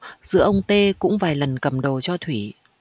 giữa ông t cũng vài lần cầm đồ cho thủy